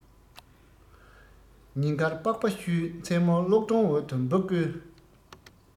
ཉིན དཀར པགས པ བཤུས མཚན མོར གློག སྒྲོན འོག ཏུ འབུ བརྐོས